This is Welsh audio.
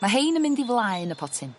Ma' hein yn mynd i flaen y potyn.